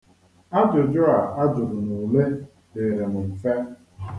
Ajụjụ a jụrụ n'ule dịịrị m mfe.